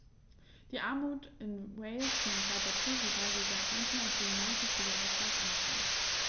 Die Armut in Wales nimmt weiter zu, wobei sie seit 1997 besonders stark ansteigt.